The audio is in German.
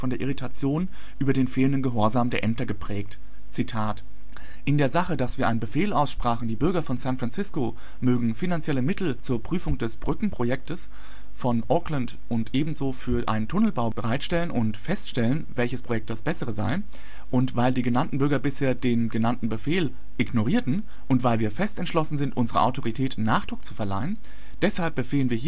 Irritation über den fehlenden Gehorsam der Ämter geprägt: In der Sache, dass wir einen Befehl aussprachen, die Bürger von San Francisco mögen finanzielle Mittel zur Prüfung des Brückenprojekts von Oakland und ebenso für einen Tunnelbau bereitstellen und feststellen, welches Projekt das bessere sei; und weil die genannten Bürger bisher den genannten Befehl ignorierten; und weil wir fest entschlossen sind unserer Autorität Nachdruck zu verleihen; Deshalb befehlen